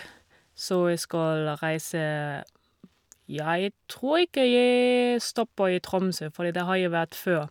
Så jeg skal reise, ja, jeg tror ikke jeg stopper i Tromsø fordi der har jeg vært før.